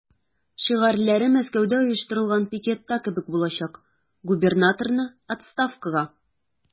Шигарьләре Мәскәүдә оештырылган пикетта кебек булачак: "Губернаторны– отставкага!"